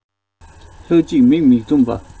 ལྷ ཅིག མིག མི འཛུམ པ